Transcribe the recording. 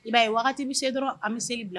I b'a ye waati wagati bɛ se dɔrɔn an bɛ seli bila